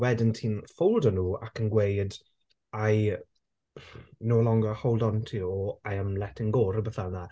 Wedyn ti'n ffoldio nhw ac yn gweud "I" "no longer hold on to you" or "I am letting go" rhywbeth fel 'na.